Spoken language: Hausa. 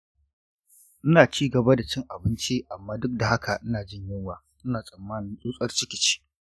ina cigaba da cin abinci amma duk da haka ina jin yunwa. ina tsammanin tsutsar ciki ce.